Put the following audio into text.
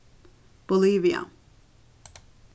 bolivia